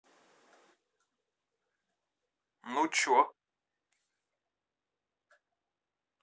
ну че